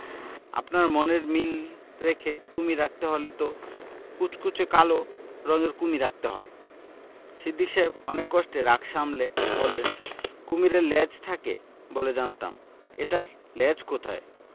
আপনার মনের মিল রেখে কুমীর আঁকতে হলে তো কুচকুচে কাল রঙের কুমীর আঁকতে হয় সিদ্দিক সাহেব অনেক কষ্টে রাগ সামলে বললেন কুমীরের লেজ থাকে বলে জানতাম এটার লেজ কোথায়